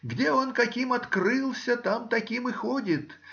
— где он каким открылся, там таким и ходит